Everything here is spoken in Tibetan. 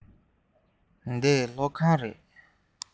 འདི སློབ ཁང རེད